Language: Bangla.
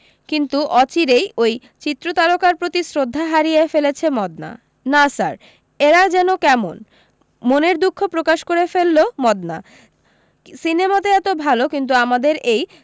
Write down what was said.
কিন্তু অচিরেই ওই চিত্রতারকার প্রতি শ্রদ্ধা হারিয়ে ফেলেছে মদনা না স্যার এরা যেন কেমন মনের দুখ প্রকাশ করে ফেললো মদনা সিনেমাতে এতো ভালো কিন্তু আমাদের এই